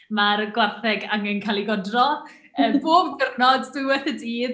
Mae'r gwartheg angen cael eu godro yy bob diwrnod dwywaith y dydd.